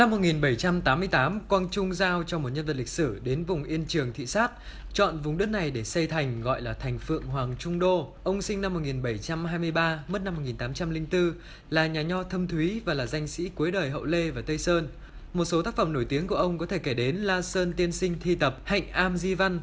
một nghìn bảy trăm tám mươi tám quang trung giao cho một nhân vật lịch sử đến vùng yên trường thị sát chọn vùng đất này để xây thành gọi là thành phượng hoàng trung đô ông sinh năm một nghìn bảy trăm hai mươi ba mất năm một nghìn tám trăm linh tư là nhà nho thâm thúy và là danh sĩ cuối đời hậu lê và tây sơn một số tác phẩm nổi tiếng của ông có thể kể đến la sơn tiên sinh thi tập hạnh am di văn